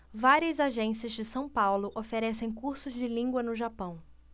várias agências de são paulo oferecem cursos de língua no japão